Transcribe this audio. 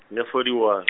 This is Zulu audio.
ngina- fourty one.